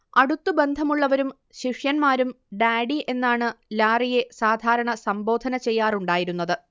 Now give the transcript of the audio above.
അടുത്തു ബന്ധമുള്ളവരും ശിഷ്യന്മാരും ഡാഡി എന്നാണ് ലാറിയെ സാധാരണ സംബോധന ചെയ്യാറുണ്ടായിരുന്നത്